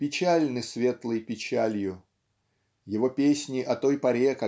печальны светлой печалью. Его песни о той поре